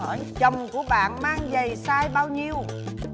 chồng của bạn mang giày xai bao nhiêu